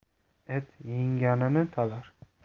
it yengganini talar